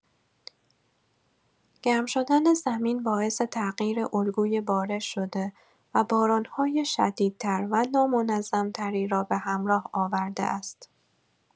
گرم شدن زمین باعث تغییر الگوی بارش شده و باران‌های شدیدتر و نامنظم‌تری را به همراه آورده است.